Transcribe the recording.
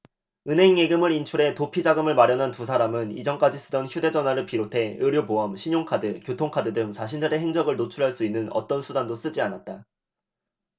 은행 예금을 인출해 도피자금을 마련한 두 사람은 이전까지 쓰던 휴대전화를 비롯해 의료보험 신용카드 교통카드 등 자신들의 행적을 노출할 수 있는 어떤 수단도 쓰지 않았다